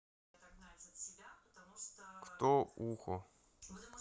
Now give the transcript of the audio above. кто уху